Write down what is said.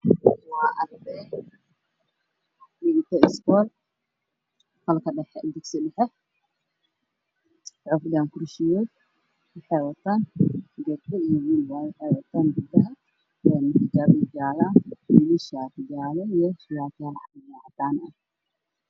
Waa arday wax baranayaan waxay wataan shaati cadaan shaatiyo jaalo surwaal cadaan wiil ayaa taagan oo boorso wata